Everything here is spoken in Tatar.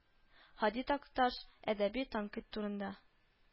Һади Такташ әдәби тәнкыйть турында